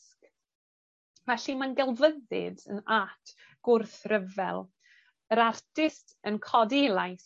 Felly mae'n gelfyddyd yn art gwrthryfel. Yr artist yn codi 'i lais